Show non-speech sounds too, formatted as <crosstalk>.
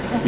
<hesitation> <hesitation>